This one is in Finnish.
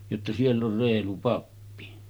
jotta siellä on reilu pappi